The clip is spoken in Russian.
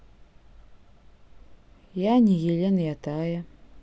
я не елена я тая